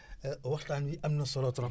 waxtaan wi am na solo trop